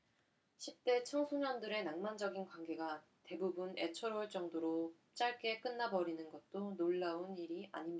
십대 청소년들의 낭만적인 관계가 대부분 애처로울 정도로 짧게 끝나 버리는 것도 놀라운 일이 아닙니다